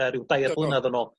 Yy ryw dair blynadd yn ôl.